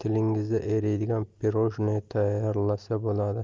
tilingizda eriydigan pirojnoye tayyorlasa bo'ladi